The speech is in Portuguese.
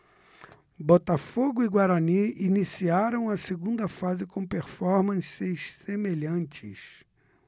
botafogo e guarani iniciaram a segunda fase com performances semelhantes